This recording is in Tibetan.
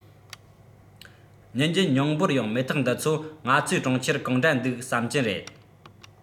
ཉིན རྒྱུན སྙིང པོར ཡོང མེ ཏོག འདི ཚོ ང ཚོས གྲོང ཁྱེར གང འདྲ འདུག བསམ གྱིན རེད